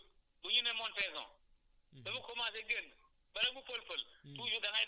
bala dugub bi commencer fël-fël parce que su demee ba dugub bi commencer di jóg lu énuy ne montaison